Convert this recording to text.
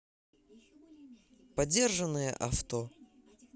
подержанное авто